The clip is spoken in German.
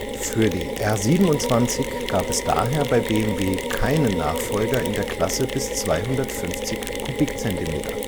Für die R 27 gab es daher bei BMW keinen Nachfolger in der Klasse bis 250 cm³. Eine